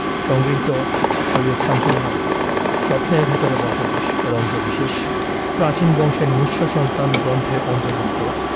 সংগৃহীত সৈয়দ শামসুল হক স্বপ্নের ভেতরে বসবাস এর অংশবিশেষ প্রাচীন বংশের নিঃস্ব সন্তান গ্রন্থের অন্তর্ভুক্ত